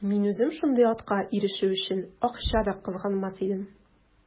Мин үзем шундый атка ирешү өчен акча да кызганмас идем.